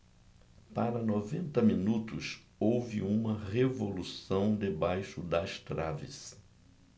para noventa minutos houve uma revolução debaixo das traves